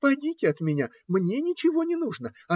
Подите от меня, мне ничего не нужно!